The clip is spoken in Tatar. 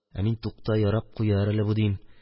Ә мин, тукта, ярап куяр әле бу, дим.